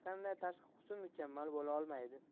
qanday tashqi husn mukammal bo'la olmaydi